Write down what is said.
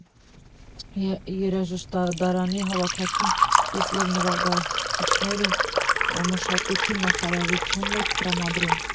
Երաժշտադարանի հավաքածուն, ինչպես և նվագարկիչները, Մշակույթի նախարարությունն էր տրամադրում։